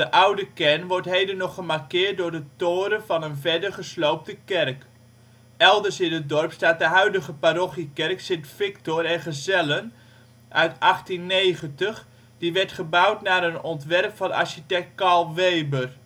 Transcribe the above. oude kern wordt heden nog gemarkeerd door de toren van een verder gesloopte kerk. Elders in het dorp staat de huidige parochiekerk St. Victor en Gezellen uit 1890-1891, die werd gebouwd naar een ontwerp van architect Carl Weber